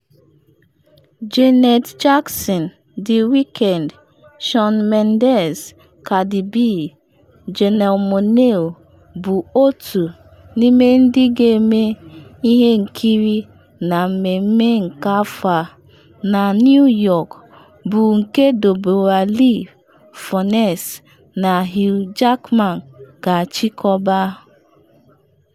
Janet Jackson, The Weeknd, Shawn Mendes, Cardi B, Janelle Monáe bụ otu n’ime ndị ga-eme ihe nkiri na mmemme nke afọ a na New York, bụ nke Deborra-Lee Furness na Hugh Jackman ga-achịkọba.